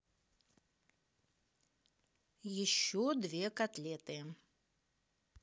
еще две котлеты